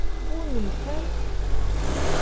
Бу ни хәл!